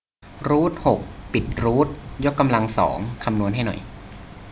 รูทหกปิดรูทยกกำลังสองคำนวณให้หน่อย